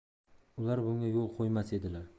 ular bunga yo'l qo'ymas edilar